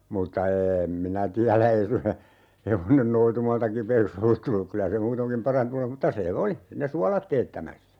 mutta en minä tiedä ei suinkaan se hevonen noitumalta kipeäksi ollut tullut kyllä se muutenkin parantunut olisi mutta se oli ne suolat teettämässä